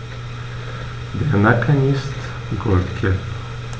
Der Nacken ist goldgelb.